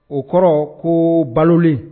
O kɔrɔ ko baloli